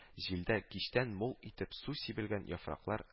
Җилдә кичтән мул итеп су сибелгән яфраклар